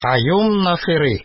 Каюм Насыйри